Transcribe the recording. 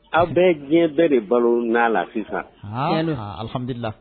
Aw bɛ diɲɛ bɛɛ de balo' la sisan